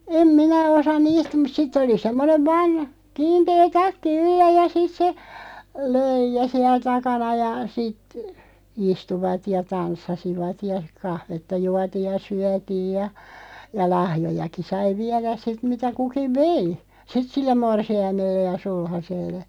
en minä osaa niistä mutta sitten oli semmoinen vain kiinteä takki yllä ja sitten se löija siellä takana ja sitten istuivat ja tanssasivat ja kahvia juotiin ja syötiin ja ja lahjojakin sai viedä sitten mitä kukin vei sitten sille morsiamelle ja sulhaselle